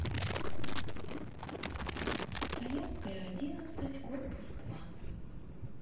саянская одиннадцать корпус два